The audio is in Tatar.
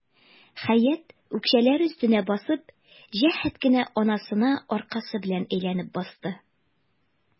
Хәят, үкчәләре өстенә басып, җәһәт кенә анасына аркасы белән әйләнеп басты.